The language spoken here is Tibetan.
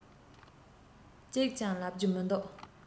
གཅིག ཀྱང ལབ རྒྱུ མི འདུག